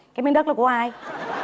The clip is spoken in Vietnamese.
cái miếng đất đó của ai